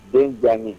Den diya ye